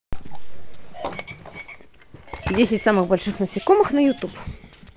десять самых больших насекомых на ютуб